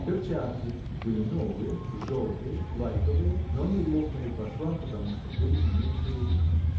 Перчатки были новые, желтые, лайковые, но они лопнули по швам, потому что были меньше руки.